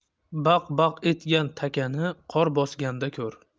baq baq etgan takani qor bosganda ko'r